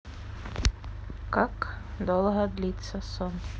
как долго длится сон